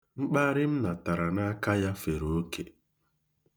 Mkparị m natara n'aka ya fere oke.